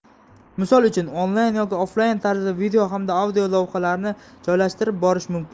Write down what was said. misol uchun onlayn yoki offlayn tarzda video hamda audio lavhalarni joylashtirib borish mumkin